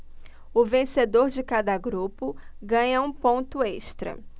o vencedor de cada grupo ganha um ponto extra